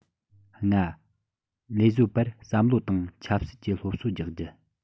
ལྔ ལས བཟོ པར བསམ བློ དང ཆབ སྲིད ཀྱི སློབ གསོ རྒྱག རྒྱུ